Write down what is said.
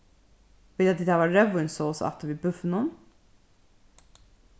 vilja tit hava reyðvínssós afturvið búffinum